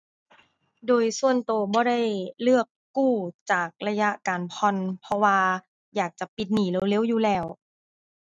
โดยส่วนตัวตัวบ่ได้เลือกกู้จากระยะการผ่อน เพราะว่าอยากจะปิดหนี้เร็วเร็วอยู่แล้ว